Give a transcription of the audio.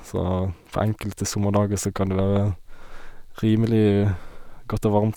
Så på enkelte sommerdager så kan det være rimelig godt og varmt.